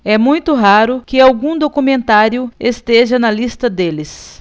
é muito raro que algum documentário esteja na lista deles